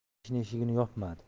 mashina eshigini yopmadi